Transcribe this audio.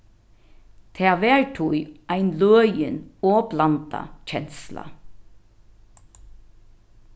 tað var tí ein løgin og blandað kensla